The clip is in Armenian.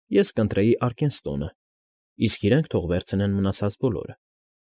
Ես կընտրեի Արկենստոնը, իսկ իրենք թող վերցնեն մնացած բոլորը»։